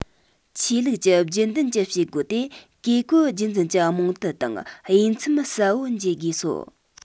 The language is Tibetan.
ཆོས ལུགས ཀྱི རྒྱུན ལྡན གྱི བྱེད སྒོ དེ བཀས བཀོད རྒྱུད འཛིན གྱི རྨོངས དད དང དབྱེ མཚམས གསལ བོ འབྱེད དགོས སོ